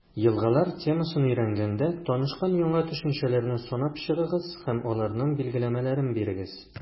«елгалар» темасын өйрәнгәндә танышкан яңа төшенчәләрне санап чыгыгыз һәм аларның билгеләмәләрен бирегез.